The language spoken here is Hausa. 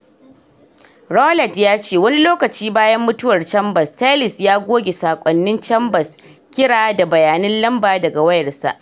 Rowlett ya ce wani lokaci bayan mutuwar Chambers, Tellis ya goge sakonin Chambers, kira da bayanin lamba daga wayarsa.